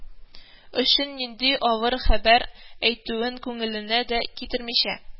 Өчен нинди авыр хәбәр әйтүен күңеленә дә китермичә,